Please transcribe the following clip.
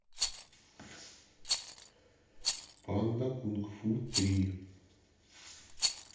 панда кунг фу три